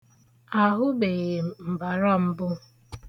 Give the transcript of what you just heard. Ahụbeghị mbara mbụ.